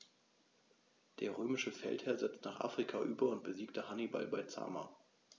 Der römische Feldherr setzte nach Afrika über und besiegte Hannibal bei Zama.